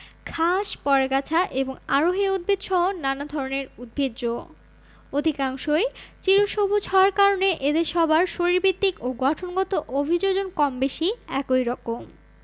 ঘাস পরগাছা এবং আরোহী উদ্ভিদসহ নানা ধরনের উদ্ভিজ্জ অধিকাংশই চিরসবুজ হওয়ার কারণে এদের সবার শারীরবৃত্তিক ও গঠনগত অভিযোজন কমবেশি একই রকম